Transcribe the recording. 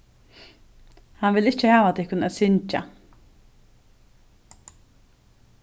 hann vil ikki hava tykkum at syngja